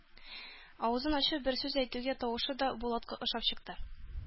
Авызын ачып бер сүз әйтүгә тавышы да Булатка ошап чыкты.